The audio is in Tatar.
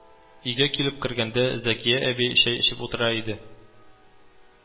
Өйгә килеп кергәндә Зәкия әби чәй эчеп утыра иде